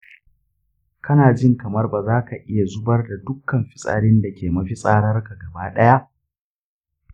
kana jin kamar ba zaka iya zubar da dukkan fitsarin da ke mafitsararka gaba ɗaya?